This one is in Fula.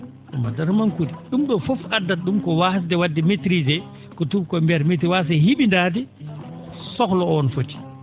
?um addata manque ude ?um ?oo fof addata ?um ko waasde wa?de maitrisé ko tuubakoo?e mbiyata waasde hi?indaade sohla oo no foti